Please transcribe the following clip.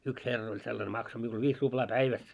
yksi herra oli sellainen maksoi minulle viisi ruplaa päivässä